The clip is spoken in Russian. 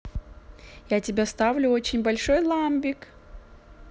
я тебя ставлю очень большой ламбик